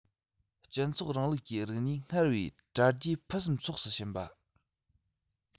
སྤྱི ཚོགས རིང ལུགས ཀྱི རིག གནས སྔར བས གྲ རྒྱས ཕུན སུམ ཚོགས སུ ཕྱིན པ